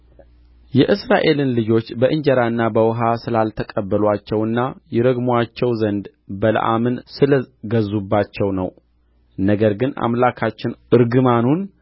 የእስራኤልን ልጆች በእንጀራና በውኃ ስላልተቀበሉአቸውና ይረግማቸው ዘንድ በለዓምን ስለ ገዙባቸው ነው ነገር ግን አምላካችን እርግማኑን